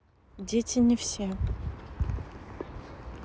дети не все